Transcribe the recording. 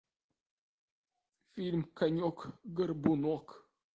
фильм конек горбунок